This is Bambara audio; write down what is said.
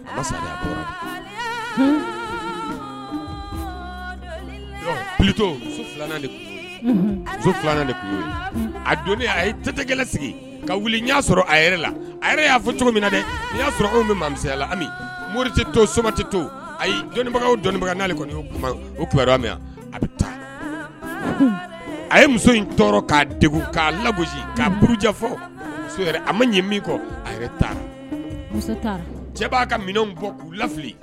A don a te sigi ka'a sɔrɔ a la a y'a fɔ cogo min na i y'a sɔrɔ anw bɛya la mori tɛ to soma tɛ to ayi dɔnnibaga dɔnnibagaale kɔnio o min a bɛ taa a ye muso in tɔɔrɔ k'a de k'a lago k'ajɛfɔ a ma ɲɛ min kɔ a cɛ'a ka minɛnw bɔ k'u lali